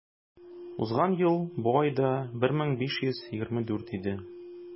Узган ел бу айда 1524 иде.